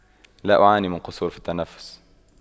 لا أعاني من قصور في التنفس